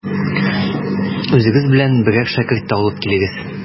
Үзегез белән берәр шәкерт тә алып килегез.